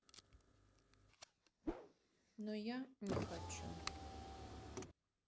но я не хочу